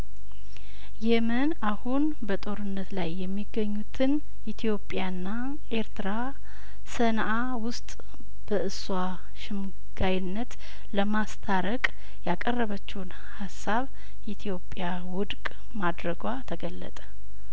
የመን አሁን በጦርነት ላይ የሚገኙትን ኢትዮጵያና ኤርትራ ሰን አውስጥ በእሷ ሸምጋይነት ለማስታረቅ ያቀረበችውን ሀሳብ ኢትዮጵያ ውድቅ ማድረጓ ተገለጠ